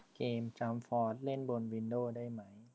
เกมจั้มฟอสเล่นบนวินโด้ได้ไหม